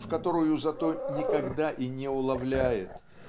в которую зато никогда и не уловляет